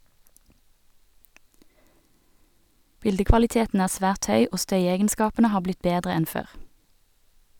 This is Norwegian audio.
Bildekvaliteten er svært høy, og støyegenskapene har blitt bedre enn før.